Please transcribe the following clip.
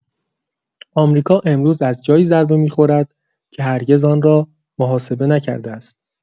آمریکا امروز از جایی ضربه می‌خورد که هرگز آن را محاسبه نکرده است.